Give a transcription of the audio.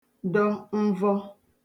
dọ mvọ